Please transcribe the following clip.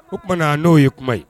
O tumana na n'o ye kuma ye